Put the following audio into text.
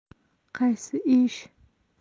qaysi ish